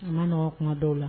U nɔgɔ kuma dɔw la